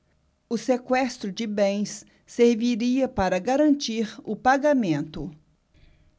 o sequestro de bens serviria para garantir o pagamento